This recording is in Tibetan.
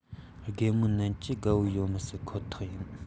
རྒད མོ རྣམས ཀྱི དགའ བོ ཡོད མི སྲིད ཁོ ཐག ཡིན